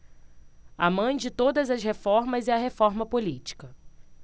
a mãe de todas as reformas é a reforma política